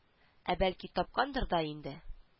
Ә бәлки тапкандыр да инде